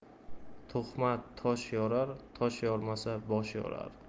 tuhmat tosh yorar tosh yormasa bosh yorar